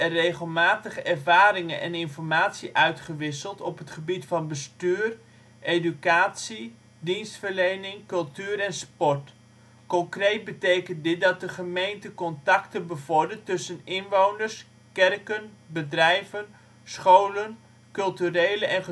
regelmatig ervaringen en informatie uitgewisseld op het gebied van bestuur, educatie, dienstverlening, cultuur en sport. Concreet betekent dit dat de gemeente contacten bevordert tussen inwoners, kerken, bedrijven, scholen, culturele en